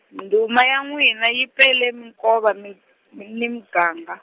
ndhuma ya n'wina yi pele minkova mi, mi ni ganga.